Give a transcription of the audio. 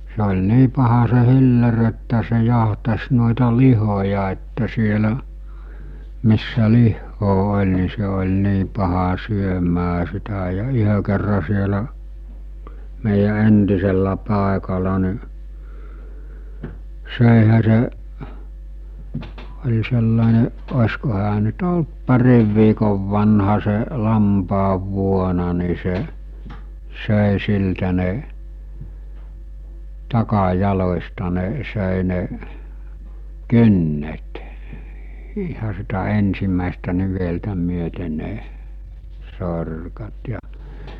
se oli niin paha se hilleri että se jahtasi noita lihoja että siellä missä lihaa oli niin se oli niin paha syömään sitä ja yhden kerran siellä meidän entisellä paikalla niin söihän se oli sellainen olisiko hän nyt ollut parin viikon vanha se lampaanvuona niin se söi siltä ne takajaloista ne söi ne kynnet ihan sitä ensimmäistä niveltä myöten ne sorkat ja